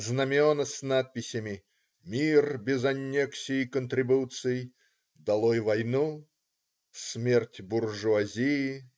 Знамена с надписями: "Мир без аннексий и контрибуций", "Долой войну", "Смерть буржуазии".